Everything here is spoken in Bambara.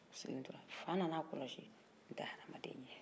u sigilen tora fa nan'a kɔlɔsi nin tɛ hadamaden ye